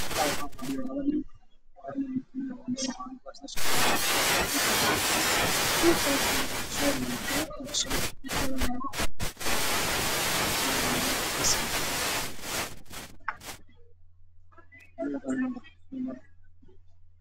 Halkaan waxaa fadhiyo labo nin